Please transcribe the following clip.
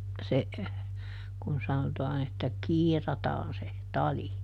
se kun sanotaan että kiirataan se tali